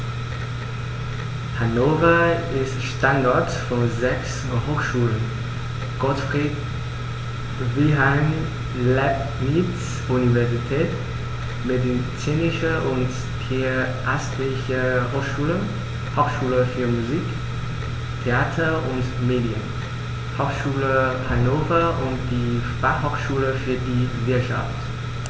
Hannover ist Standort von sechs Hochschulen: Gottfried Wilhelm Leibniz Universität, Medizinische und Tierärztliche Hochschule, Hochschule für Musik, Theater und Medien, Hochschule Hannover und die Fachhochschule für die Wirtschaft.